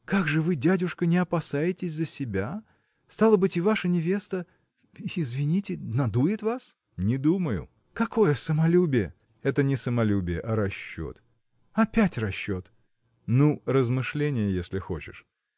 – Как же вы, дядюшка, не опасаетесь за себя? Стало быть, и ваша невеста. извините. надует вас?. – Не думаю. – Какое самолюбие! – Это не самолюбие, а расчет. – Опять расчет! – Ну, размышление, если хочешь.